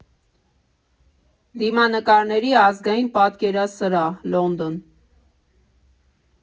Դիմանկարների ազգային պատկերասրահ, Լոնդոն։